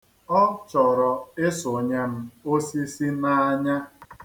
Ọ chọrọ ịsụnye m osisi n'anya.